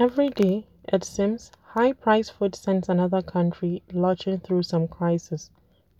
Every day, it seems, high-priced food sends another country lurching through some crisis: